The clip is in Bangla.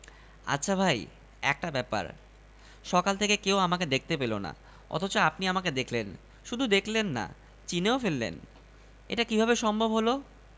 আপনারও কি ফার্স্ট ইয়ারের প্রেমটাইপের কেস না না তা নয় আপনি যেমন প্রেমে ব্যর্থ হয়ে গুম হয়েছেন আমি হয়েছি ব্যবসায় ব্যর্থ হয়ে আহা রে কিন্তু পাগলের ডাক্তারিতে আবার ব্যর্থ হলেন কীভাবে